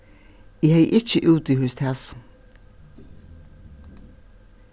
eg hevði ikki útihýst hasum